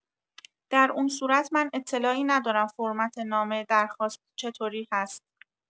در اون صورت من اطلاعی ندارم فرمت نامه درخواست چطوری هست.